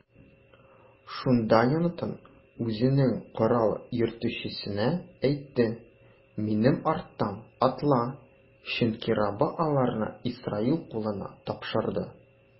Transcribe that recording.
Шунда Йонатан үзенең корал йөртүчесенә әйтте: минем арттан атла, чөнки Раббы аларны Исраил кулына тапшырды.